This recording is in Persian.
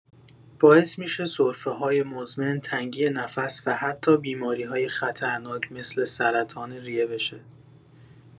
باعث می‌شه سرفه‌های مزمن، تنگی نفس و حتی بیماری‌های خطرناک مثل سرطان ریه بشه.